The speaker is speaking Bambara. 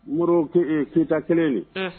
Woro keyitata kelen de